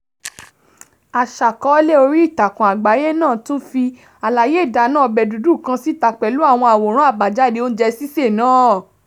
Aṣàkọọ́lẹ̀ oríìtakùn àgbáyé náà tún fi àlàyé ìdáná ọbẹ̀ dídùn kan síta pẹ̀lú àwọn àwòrán àbájáde oúnjẹ síse náà.